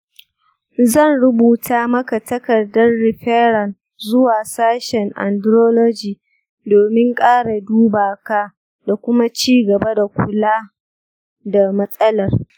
zan rubuta maka takardar referral zuwa sashen andrology domin ƙara duba ka da kuma cigaba da kulawa da matsalar.